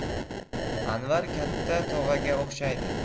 anvar katta tog'aga o'xshaydi